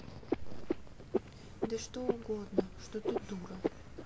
да что угодно что ты дура